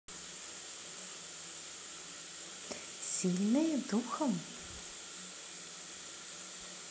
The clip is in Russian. сильные духом